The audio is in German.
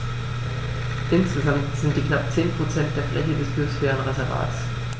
Insgesamt sind dies knapp 10 % der Fläche des Biosphärenreservates.